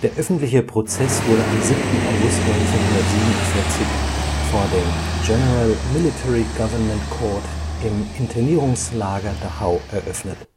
öffentliche Prozess wurde am 7. August 1947 vor dem General Military Government Court im Internierungslager Dachau eröffnet